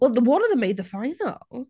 Well, one of them made the final.